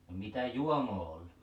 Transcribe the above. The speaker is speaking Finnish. mitä juomaa oli